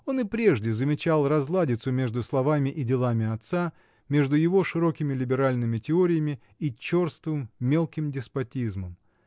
Он и прежде замечал разладицу между словами и делами отца, между его широкими либеральными теориями и черствым, мелким деспотизмом